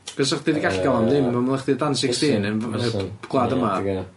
Achos o' chdi 'di gallu ga'l o am ddim o'n i'n me'wl o'ch chdi o dan sixteen gwlad yma.